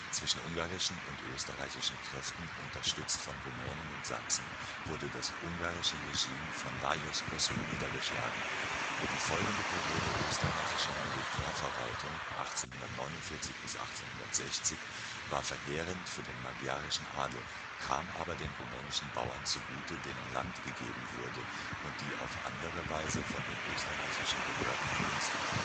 zwischen ungarischen und österreichisch Kräften (unterstützt von Rumänen und Sachsen) wurde das ungarische Regime von Lajos Kossuth niedergeschlagen. Die folgende Periode österreichischer Militärverwaltung (1849 – 1860) war verheerend für den magyarischen Adel, kam aber den rumänischen Bauern zugute, denen Land gegeben wurde und die auf andere Weise von den österreichischen Behörden begünstigt